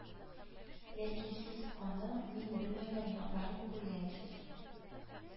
Ләкин сез аның мин белмәгән якларын күргәнсез